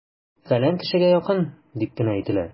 "фәлән кешегә якын" дип кенә әйтелә!